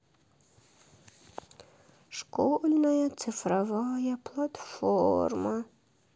школьная цифровая платформа